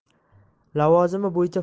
lavozimi bo'yicha